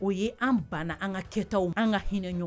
O ye an banna an ka kɛta an ka hinɛinɛ ɲɔgɔn